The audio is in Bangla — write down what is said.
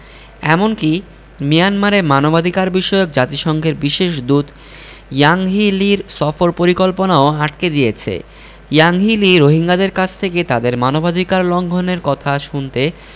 এমনকি মিয়ানমারে মানবাধিকারবিষয়ক জাতিসংঘের বিশেষ দূত ইয়াংহি লির সফর পরিকল্পনাও আটকে দিয়েছে ইয়াংহি লি রোহিঙ্গাদের কাছ থেকে তাদের মানবাধিকার লঙ্ঘনের কথা শুনতে